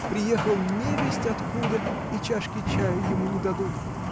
Приехал невесть откуда, и чашки чаю ему не дадут.